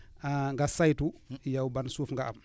nga saytu yow ban suuf nga am